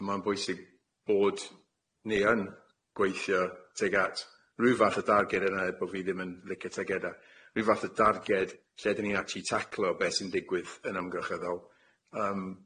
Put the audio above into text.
a ma'n bwysig bod ni yn gweithio tuag at ryw fath o darged yna e bo' fi ddim yn licio tageda ryw fath o darged lle dyn ni acshyli taclo be' sy'n digwydd yn ymgyrchyddol yym.